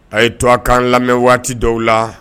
A' ye to a kanan lamɛn waati dɔw la